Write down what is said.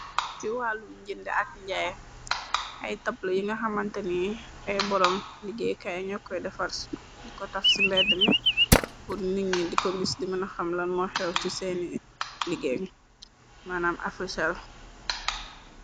Ci wàllu njënde ak njaay, ay taplu yi nga xamantani ay boroom liggéey kay ñokkoy defars, diko taf ci mbedd mi, pur nik ñi di ko gis dimë na xamla mo xew ci seeni liggée, manaam africhel.